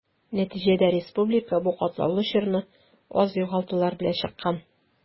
Нәтиҗәдә республика бу катлаулы чорны аз югалтулар белән чыккан.